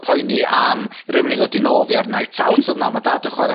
poeni am riwyn i ddod i nôl fi ar night out o'dd mam a dad yn chwara'